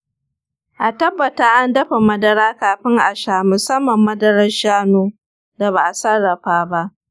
a tabbata an dafa madara kafin a sha musamman madarar shanu da ba'a sarrafa ta ba.